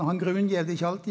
han grunngjev det ikkje alltid.